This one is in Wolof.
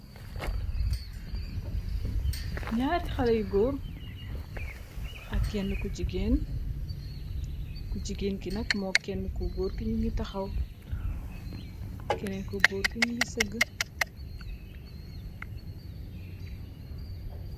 N'aari xaley góor ak kenn ku jigeen ku jigéen ki nag moo kenn ku góor ki nu ngi taxaw kenneen ku góor kimu ngi sëgg.